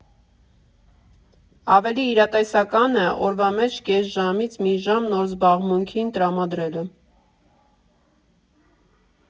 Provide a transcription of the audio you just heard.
Ավելի իրատեսական է օրվա մեջ կես ժամից մի ժամ նոր զբաղմունքին տրամադրելը։